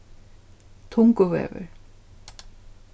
tunguvegur